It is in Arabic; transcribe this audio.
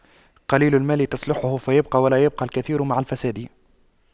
قليل المال تصلحه فيبقى ولا يبقى الكثير مع الفساد